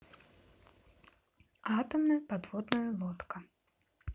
атомная подводная лодка